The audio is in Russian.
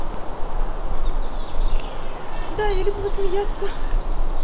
да я люблю посмеяться